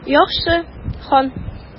Яхшы, хан.